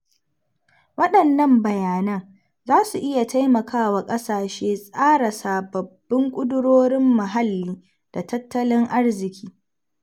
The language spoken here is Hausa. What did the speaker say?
Waɗannan bayanan za su iya taimaka wa ƙasashe tsara sababbin ƙudirorin muhalli da tattalin arziki.